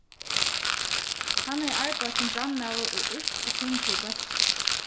hann hevði arbeitt sum brandmaður og yrkt og sungið í bólki